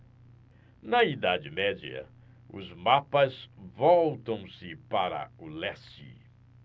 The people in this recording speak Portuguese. na idade média os mapas voltam-se para o leste